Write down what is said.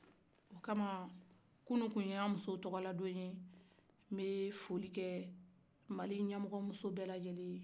o kama kunu kun y'an musow tɔgɔla don ye nbɛ mali ɲɛmɔgɔ muso bɛlajɛlen ye